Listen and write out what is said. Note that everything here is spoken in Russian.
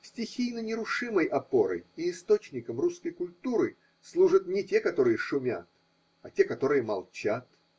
стихийно-нерушимой опорой и источником русской культуры служат не те, которые шумят, а те, которые молчат.